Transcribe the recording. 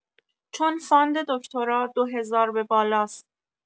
چون فاند دکتری ۲۰۰۰ به بالاس